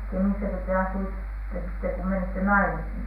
Kemissäkö te asuitte sitten kun menitte naimisiin